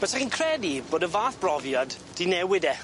Fysech chi'n credu bod y fath brofiad 'di newid e.